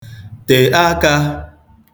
tè akā